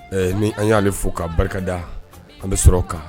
Ɛɛ min an y'aale fo ka barikada an bɛ sɔrɔ kan